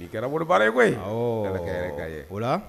Ii kɛra bolo baara ye koyi ala ka ka ye o la